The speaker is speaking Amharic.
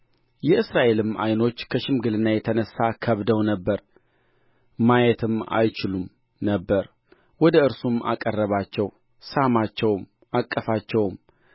የእስራኤልም ዓይኖች ከሽምግልና የተነሣ ከብደው ነበር ማየትም አይችልም ነበር ወደ እርሱም አቀረባቸው ሳማቸውም አቀፋቸውም